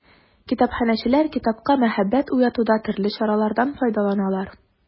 Китапханәчеләр китапка мәхәббәт уятуда төрле чаралардан файдаланалар.